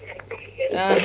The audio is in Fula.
ahan